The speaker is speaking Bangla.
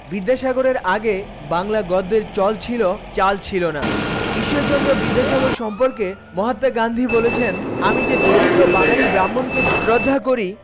বিদ্যাসাগর এর আগে বাংলা গদ্যের চল ছিল চাল ছিল না ঈশ্বরচন্দ্র বিদ্যাসাগর সম্পর্কে মহাত্মা গান্ধী বলেছেন আমি যে দরিদ্র বাঙালি ব্রাহ্মণ কে শ্রদ্ধা করি